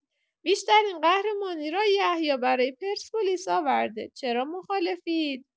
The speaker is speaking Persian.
بیشترین قهرمانی را یحیی برای پرسپولیس آورده، چرا مخالفید؟